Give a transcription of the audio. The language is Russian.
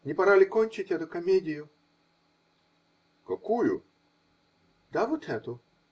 -- Не пора ли кончить эту комедию? -- Какую? -- Да вот эту.